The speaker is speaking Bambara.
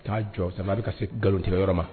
Taa jɔ san a bɛ ka se nkalontigɛ yɔrɔ ma